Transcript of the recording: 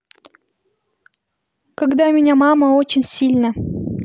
когда меня мама очень сильно